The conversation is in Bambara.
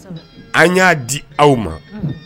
An y'a di aw ma, unhun